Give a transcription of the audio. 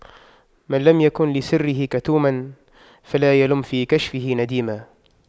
من لم يكن لسره كتوما فلا يلم في كشفه نديما